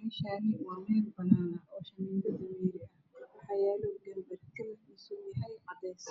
Meshani waa meel banaana oo shamindo la mariyaay waxaa yala gember kalarkisu yahay cadees